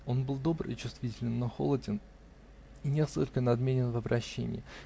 Он был добр и чувствителен, но холоден и несколько надменен в обращении.